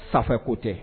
Sa ko tɛ